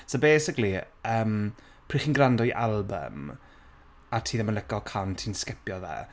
So basically yym, pryd chi'n gwrando'i album a ti ddim yn licio cân ti'n sgipio fe.